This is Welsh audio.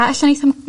a ella neitho-